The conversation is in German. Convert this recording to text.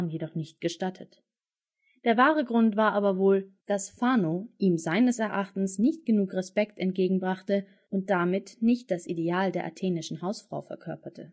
nicht gestattet. Der wahre Grund war aber wohl, dass Phano ihm seines Erachtens nicht genug Respekt entgegenbrachte und damit nicht das Ideal der athenischen Hausfrau verkörperte